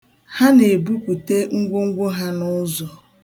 Ha na-ebupute ngwongwo ha n'ụzọ.